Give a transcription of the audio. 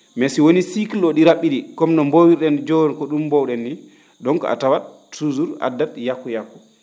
mais si wonii cycle o ?i ra??i?i comme no mboowir?en joo ko ?um mboow?en ni donc a tawat toujours addat yakku yakku